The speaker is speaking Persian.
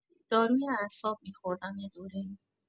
داروی اعصاب می‌خوردم یه دوره‌ای.